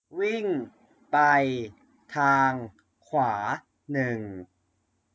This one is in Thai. วิ่งไปทางขวาหนึ่ง